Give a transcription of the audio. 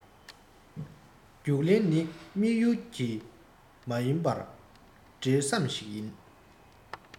རྒྱུགས ལེན ནི དམིགས ཡུལ ཞིག མ ཡིན པར འབྲེལ ཟམ ཞིག ཡིན